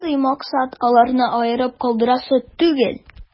Шундый максат: аларны аерып калдырасы түгел.